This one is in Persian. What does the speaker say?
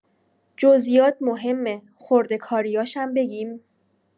جزئیات مهمه خورده کاریاشم بگیم